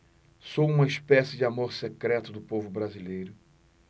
sou uma espécie de amor secreto do povo brasileiro